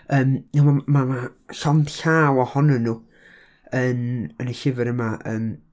Yym, m- ma- ma' llond llaw ohonyn nhw yn, yn y llyfr yma, yym.